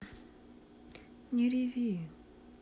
не реви